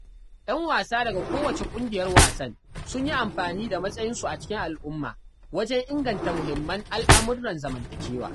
Yan wasa daga kowace ƙungiyar wasan sun yi amfani da matsayinsu a cikin al'umma wajen inganta muhimman al'amuran zamantakewa.